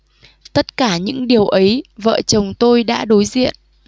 tất cả những điều ấy vợ chồng tôi đã đối diện